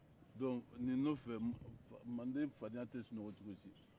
donc ni nɔfɛ mande fadenya tɛ sunɔgɔ cogo si